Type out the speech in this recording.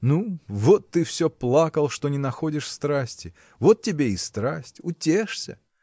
Ну, вот ты все плакал, что не находишь страсти вот тебе и страсть утешься!